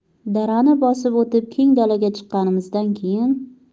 darani bosib o'tib keng dalaga chiqqanimizdan keyin